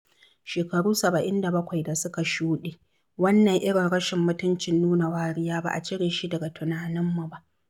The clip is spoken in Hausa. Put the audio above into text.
Shekaru 77 da suka shuɗe wannan [irin rashin mutuncin nuna wariya] ba a cire shi daga tunaninmu ba.